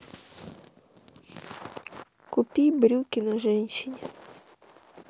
купи брюки на женщине